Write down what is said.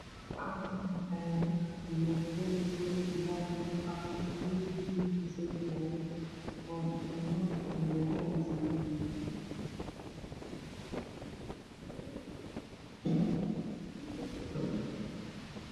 Meeshan waxaa yaalo kartooman kalarkooda cadan iyo qaxwi madow bulug iyo basali jaalo o dhuudhuban armaajo ayay saranyihiin